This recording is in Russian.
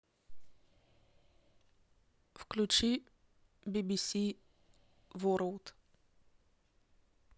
включи бибиси ворлд